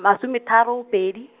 masome tharo pedi.